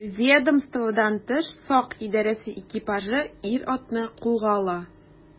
Ведомстводан тыш сак идарәсе экипажы ир-атны кулга ала.